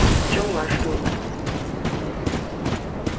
gjáar skúli